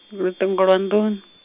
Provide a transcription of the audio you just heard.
luṱingo lwa nnduni.